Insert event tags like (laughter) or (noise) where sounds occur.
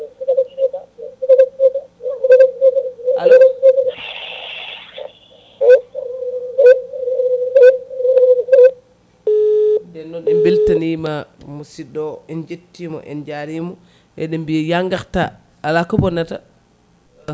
(noise) allo (noise) (noise) nden noon en beltanima musidɗo en jettimo en jarimo eɗen mbiya ya garta alako bonnata